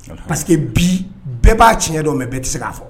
Pa bi bɛɛ b'a tiɲɛ don mɛ bɛɛ tɛ se k'a fɔ